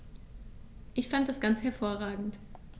Ich fand das ganz hervorragend.